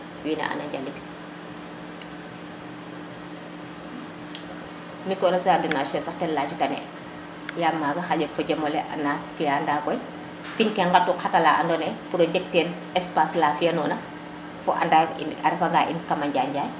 wine xana njalik micro jardinage fe sax ten yacu tane yam maga xaƴa fojemole ana fiya nda koy pin ke ŋatu ŋata la ando naye pour o jeg ten espace la fiya nona fo anda in a refa nga in kama Njanjay